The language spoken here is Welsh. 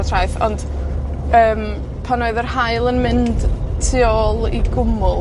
y traeth, ond, yym, pan oedd yr haul yn mynd tu ôl i gwmwl,